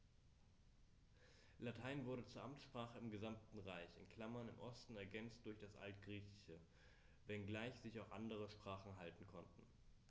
Latein wurde zur Amtssprache im gesamten Reich (im Osten ergänzt durch das Altgriechische), wenngleich sich auch andere Sprachen halten konnten.